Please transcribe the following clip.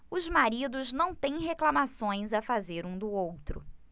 os maridos não têm reclamações a fazer um do outro